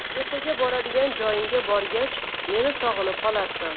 ertaga boradigan joyingga borgach meni sog'inib qolarsan